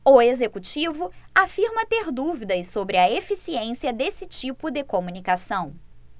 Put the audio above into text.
o executivo afirma ter dúvidas sobre a eficiência desse tipo de comunicação